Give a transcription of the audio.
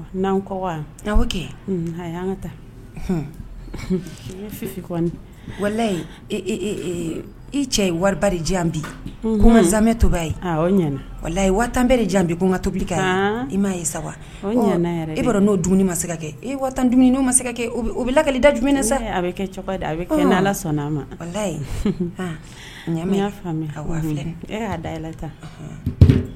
'an kɛ a ka taayi i cɛ ye wari de jan bi ko zanmɛ toba yeyi tan bɛɛ de jan ko ka tobili i m' ye saba i n'o dum ma e wa tan dumuni n'o masakɛkɛ bɛ lakali da dumuni sa a bɛ kɛ a bɛ ala sɔnna a mayi ɲa'a filɛ'a da